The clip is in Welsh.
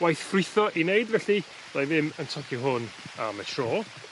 waith ffrwytho i neud felly byddai ddim yn tocio hwn am y tro.